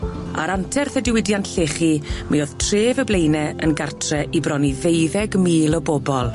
Ar anterth y diwydiant llechi mi o'dd tref y Blaene yn gartre i bron i ddeuddeg mil o bobol.